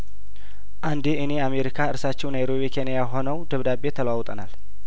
አንዴ እኔ አሜሪካ እርሳቸው ናይሮቢ ኬኒያ ሆነው ደብዳቤ ተለዋውጠናል